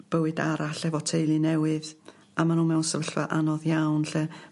bywyd arall efo teulu newydd a ma' n'w mewn sefyllfa anodd iawn lle